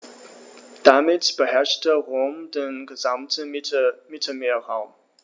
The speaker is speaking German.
Damit beherrschte Rom den gesamten Mittelmeerraum.